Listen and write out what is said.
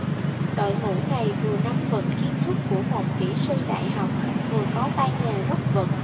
đội ngũ này vừa nắm vững kiến thức của một kỹ sư đại học vừa có tay nghề rất vững